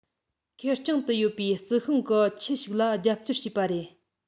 ཁེར རྐྱང དུ ཡོད པའི རྩི ཤིང གི ཁྱུ ཞིག ལ རྒྱབ སྐྱོར བྱས པ རེད